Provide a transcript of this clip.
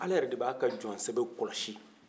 ala yɛrɛ de b'a ka jɔn sɛbɛw kɔlɔsi